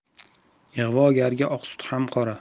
ig'vogarga oq sut ham qora